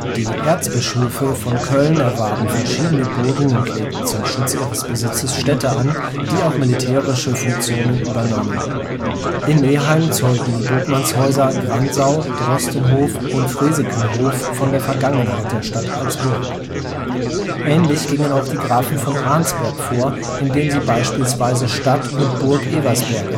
Die Erzbischöfe von Köln erwarben verschiedene Burgen und legten zum Schutz ihres Besitzes Städte an, die auch militärische Funktionen übernahmen. In Neheim zeugen die Burgmannshäuser Gransau, Drostenhof und Fresekenhof von der Vergangenheit der Stadt als Burg. Ähnlich gingen auch die Grafen von Arnsberg vor, indem sie beispielsweise Stadt und Burg Eversberg